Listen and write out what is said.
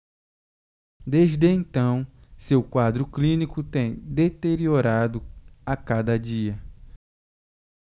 desde então seu quadro clínico tem deteriorado a cada dia